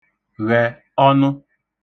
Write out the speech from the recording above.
ghẹ ọnụ